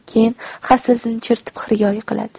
keyin hassasini chertib xirgoyi qiladi